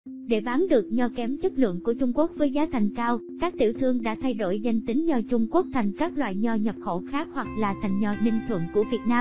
để bán được nho kém chất lượng của trung quốc với giá thành cao các tiểu thương đã thay đổi danh tính nho trung quốc thành các loại nho nhập khẩu khác hoặc là thành nho ninh thuận của việt nam